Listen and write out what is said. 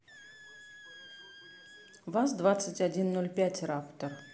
ваз двадцать один ноль пять раптор